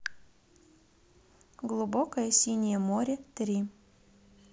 глубокое синее море три